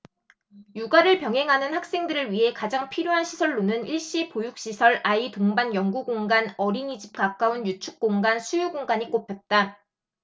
육아를 병행하는 학생들을 위해 가장 필요한 시설로는 일시 보육시설 아이 동반 연구 공간 어린이집 가까운 유축공간 수유공간이 꼽혔다